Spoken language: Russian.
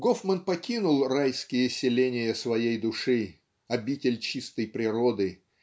Гофман покинул райские селения своей души обитель чистой природы